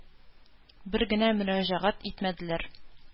Бер генә мөрәҗәгать итмәделәр.